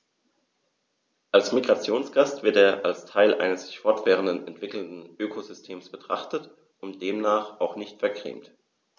Als Migrationsgast wird er als Teil eines sich fortwährend entwickelnden Ökosystems betrachtet und demnach auch nicht vergrämt.